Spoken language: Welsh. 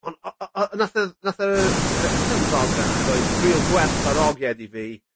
ond o- o- o- nath y nath y y ffilm ddogfen yna roid ril gwerthfawrogiad i fi